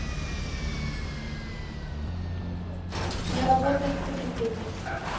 не работает собеседник